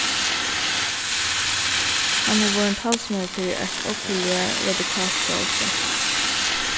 hann er vorðin talsmaður fyri eitt ógvuliga radikalt frælsi